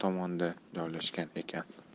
tomonda joylashgan ekan